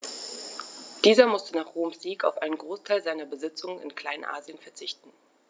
Dieser musste nach Roms Sieg auf einen Großteil seiner Besitzungen in Kleinasien verzichten.